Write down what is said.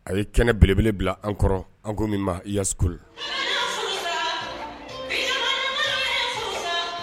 A ye kɛnɛ belebele bila an kɔrɔ an ko min i ya la